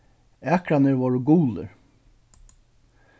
akrarnir vóru gulir